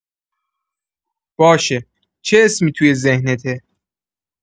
باشه، چه اسمی توی ذهنته؟